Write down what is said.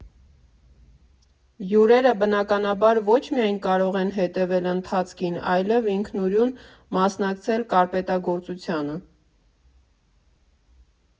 Հյուրերը, բնականաբար, ոչ միայն կարող են հետևել ընթացքին, այլև ինքնուրույն մասնակցել կարպետագործությանը։